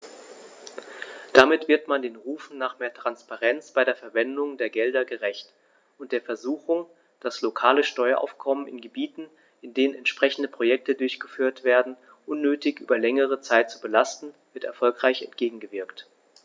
Damit wird man den Rufen nach mehr Transparenz bei der Verwendung der Gelder gerecht, und der Versuchung, das lokale Steueraufkommen in Gebieten, in denen entsprechende Projekte durchgeführt werden, unnötig über längere Zeit zu belasten, wird erfolgreich entgegengewirkt.